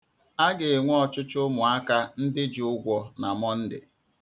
A ga-enwe ọchụchụ ụmụakwụkwọ ndị ji ụgwọ na Mọnde.